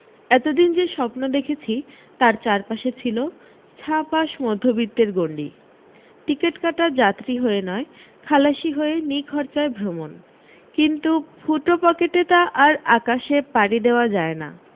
এতদিন যে স্বপ্ন দেখেছি তার চারপাশে ছিল ছাঁ পাশ মধ্যবিত্তের গন্ডি টিকিট কাটা যাত্রী হয়ে নয় খালাসি হয়ে নিখরচায় ভ্রমণ কিন্তু ফুটো পকেটে তা আর আকাশে পাড়ি দেওয়া যায় না